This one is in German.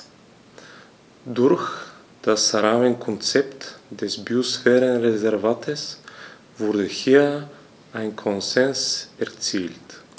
Durch das Rahmenkonzept des Biosphärenreservates wurde hier ein Konsens erzielt.